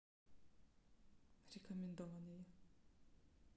рекомендованные